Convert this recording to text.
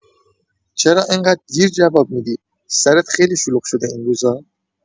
چرا اینقدر دیر جواب می‌دی، سرت خیلی شلوغ شده این روزا؟